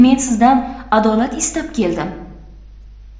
men sizdan adolat istab keldim